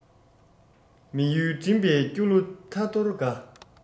མི ཡུལ འགྲིམས པའི སྐྱོ གླུ ཐ ཐོར འགའ